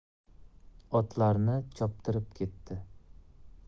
otlarni choptirib ketdi